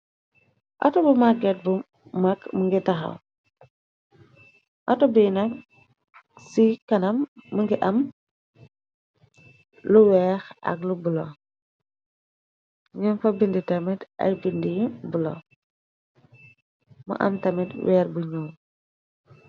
auto bu marget bu mag mu ngi taxaw, auto bi nak ci kanam mëngi am lu weex ak lu bulo , ñumfa bindi tamit ay bindii bulo mu am tamit weer bu ñuul.